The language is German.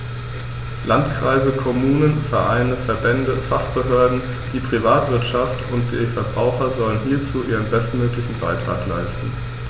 Landkreise, Kommunen, Vereine, Verbände, Fachbehörden, die Privatwirtschaft und die Verbraucher sollen hierzu ihren bestmöglichen Beitrag leisten.